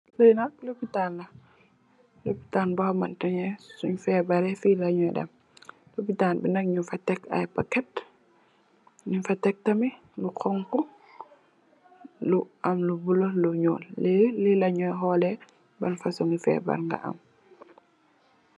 Fi nak lopitaal la, lopitaal bo hamantene sunn fèbarè fi la nu dem. Lopitaal bi nak nung fa tekk ay pakèt, nung fa tekk tamit lu honku, lu am lu bulo, lu ñuul. Li, li la nyo holè ban fasung ngi fèbarr ga am.